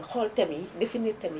xool thèmes yi définir thèmes yi